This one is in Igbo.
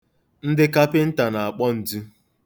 Ndị kapịnta na-akpọ ntu.